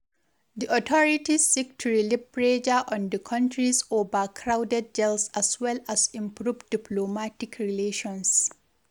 The authorities seek to relieve pressure on the country's overcrowded jails as well as improve diplomatic relations.